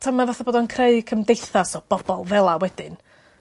tymlo fatha bod o'n creu cymdeithas o bobol fel 'a wedyn.